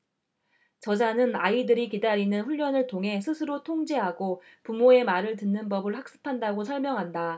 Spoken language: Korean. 저자는 아이들이 기다리는 훈련을 통해 스스로 통제하고 부모의 말을 듣는 법을 학습한다고 설명한다